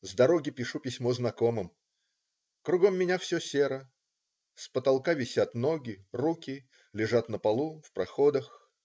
С дороги пишу письмо знакомым: "кругом меня все серо, с потолка висят ноги, руки. лежат на полу, в проходах.